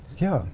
ja.